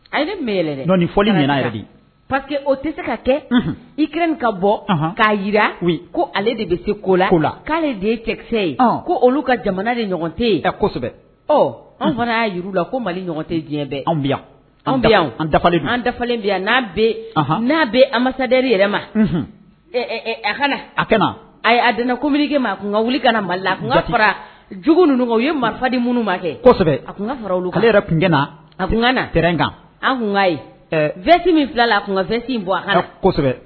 A ye ne mɛn yɛrɛɔni fɔ minɛ yɛrɛ pa que o tɛ se ka kɛ ik min ka bɔ k'a jira ko ale de bɛ se ko la ko la k'ale de ye cɛkisɛsɛ ye ko olu ka jamana de ɲɔgɔn tɛ yen ka kosɛbɛ an fana y'a y la ko mali ɲɔgɔn tɛ diɲɛ anw bɛ yan bɛ yan bɛ yan n'a bɛ n'a bɛ an mad yɛrɛ ma a a a adɛnɛn kobilige ma a tun ka wuli ka mali la fara jugu ninnu u ye marifa di minnu ma kɛ a tun a ka narɛn kan an'a ye vsi min fila la a kun ka vsi bɔ asɛbɛ